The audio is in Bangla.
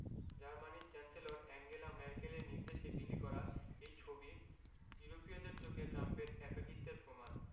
জার্মানির চ্যান্সেলর আঙ্গেলা ম্যার্কেলের নির্দেশে বিলি করা এই ছবি ইউরোপীয়দের চোখে ট্রাম্পের একাকিত্বের প্রমাণ